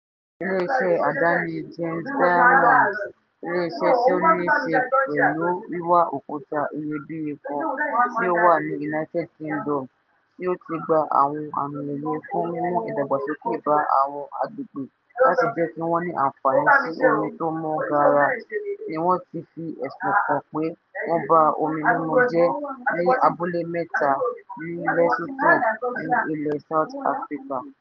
Ilé iṣẹ́ àdáni Gems Diamond, ilé-iṣẹ́ tí ó ní ṣe pẹ̀lú wíwa òkúta iyebíye kan tí ó wà ní United Kingdom tí ó ti gba àwọn àmì ẹ̀yẹ fún mímu ìdàgbàsókè bá àwọn àgbègbè láti jẹ́ kí wọ́n ní àǹfààní sí omi tó mọ́ Gara, ní wọ́n ti fi ẹ̀sùn kan pé wọ́n ba omi mímu jẹ́ ní abúlé mẹ́ta ní Lesotho, ní ilẹ̀ South Africa.